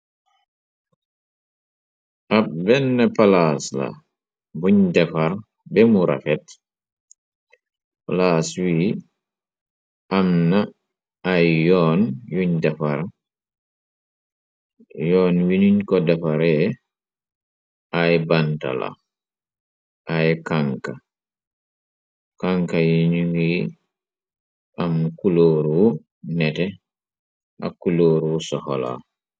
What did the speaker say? Ab benn palaas la, buñ defar bemu rafet, palaas wii, am na ay yoon yuñ defar, yoon wiñuñ ko defaree, ay bantala, ay kanka, kanka yiñu ngi am kulóoru nete, ak kulóoru soxala.